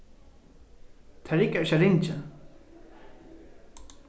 tað riggar ikki at ringja